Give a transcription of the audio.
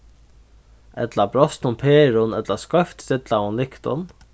ella brostnum perum ella skeivt stillaðum lyktum